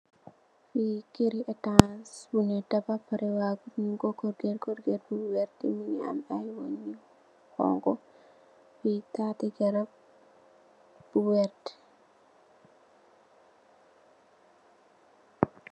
Lii kerri ehtanss bu njii tabakh pareh waagut, njung kor corrgate, corrgate bu wertue, mungy am aiiy weungh yu honhu, fii taati garab bu wertue.